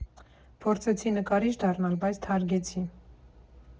Փորձեցի նկարիչ դառնալ, բայց թարգեցի։